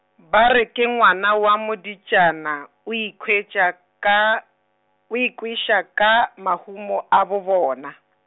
ba re ke ngwana wa moditšana, o ikhwetša ka, o ikweša ka, mahumo a bo bona .